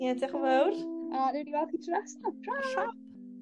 Ie dioch yn fowr. A newn ni weld chi tro nesa. T'ra! T'ra!